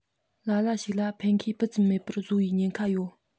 ལ ལ ཞིག ལ ཕན ཁེ སྤུ ཙམ མེད པར བཟོ བའི ཉེན ཁ ཡོད